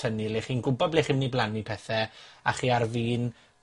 hynny le chi'n gwbo ble chi'n myn' i blannu pethe, a chi ar fin